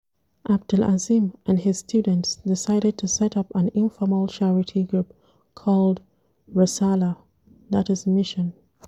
Abdel-Azim and his students decided to set up an informal charity group called Resala (Mission).